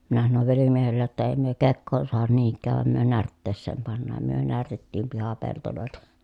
minä sanoin velimiehelle jotta ei me kekoon saada niinkään vain me närtteeseen pannaan me närtettiin pihapeltoja